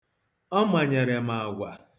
Ọ manyere m agwa.